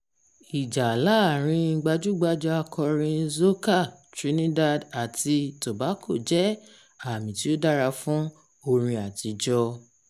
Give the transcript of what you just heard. Ìjà láàárín gbajúgbajà akọrin soca Trinidad àti Tobago jẹ́ àmì tí ó dára fún orin àtijọ́